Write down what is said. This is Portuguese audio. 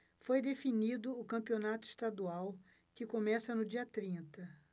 foi definido o campeonato estadual que começa no dia trinta